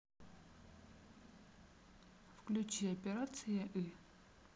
включи операция ы